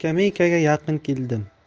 skameykaga yaqin keldim